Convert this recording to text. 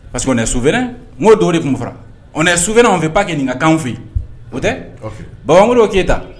Parce que n'o dɔw de tunɛ sow fɛ ba kɛ ɲini ka kan fɛ yen o tɛ babagolo' keyita